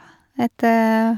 Etter...